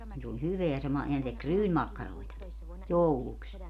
niin se oli hyvää se - ja ne teki ryynimakkaroitakin jouluksi